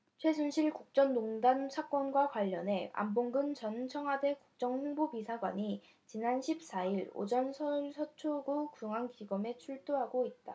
최순실 국정농단 사건과 관련해 안봉근 전 청와대 국정홍보비서관이 지난 십 사 일 오전 서울 서초구 서울중앙지검에 출두하고 있다